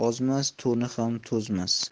ozmas to'ni ham to'zmas